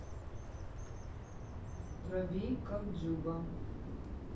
пробей как дзюба